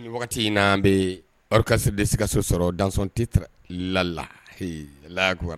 Wagati in n an bɛ barikarikasi de sikaso sɔrɔ dantite lala lagowayara